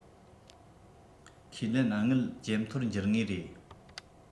ཁས ལེན དངུལ ཇེ མཐོར འགྱུར ངེས རེད